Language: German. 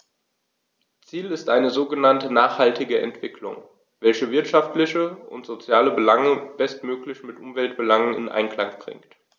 Ziel ist eine sogenannte nachhaltige Entwicklung, welche wirtschaftliche und soziale Belange bestmöglich mit Umweltbelangen in Einklang bringt.